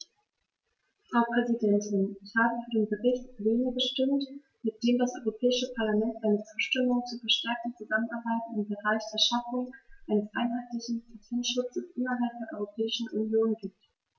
Frau Präsidentin, ich habe für den Bericht Lehne gestimmt, mit dem das Europäische Parlament seine Zustimmung zur verstärkten Zusammenarbeit im Bereich der Schaffung eines einheitlichen Patentschutzes innerhalb der Europäischen Union gibt.